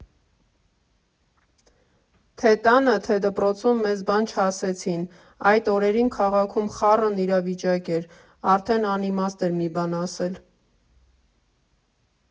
Թե՛ տանը, թե՛ դպրոցում մեզ բան չասեցին, այդ օրերին քաղաքում խառն իրավիճակ էր, արդեն անիմաստ էր մի բան ասել։